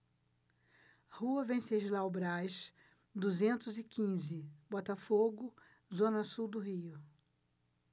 rua venceslau braz duzentos e quinze botafogo zona sul do rio